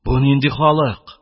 Бу нинди халык?